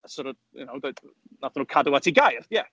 A sorta, you know wnaethon nhw cadw at eu gair, ie.